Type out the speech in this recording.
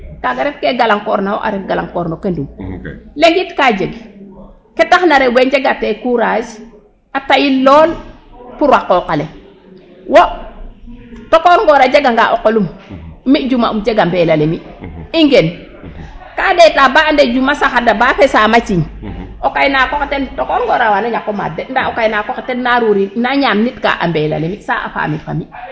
Kaaga refkee galangkoor no wo' a ref galangkoor no no kendum legit ka jeg ke taxna rew we njegatee courrage a tayil lool pour a qooq ale wo' tokoor ngoor a jeganga o qolum mi Diouma um jeg a mbeel ale mi' ngenka ndeta ba ande Diouma saxada ba fesaam a cinj o kaynaak oxe ten tokor Ngoor a waa ñak o maad de ndaa o kaynaak oxe ten a ruurin na ñaamnitka a mbeel ale mi' saa faamir fo mi'.